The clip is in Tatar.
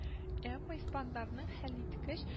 Әмма испаннарның хәлиткеч